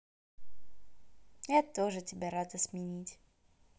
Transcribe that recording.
я тоже тебя рада сменить